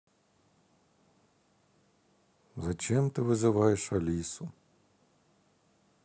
зачем ты вызываешь алису